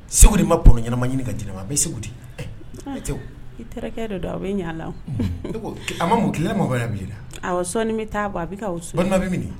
Segu de ma bolo ɲɛnama ɲini ka di ma bɛ segu di i terikɛkɛ de don a bɛ ɲa la a ma mun ki mɔgɔya b'i la a sɔɔni bɛ t taaa bɔ a bɛ ka bɛ minɛ